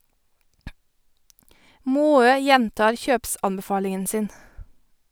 Maaø gjentar kjøpsanbefalingen sin.